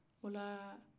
ola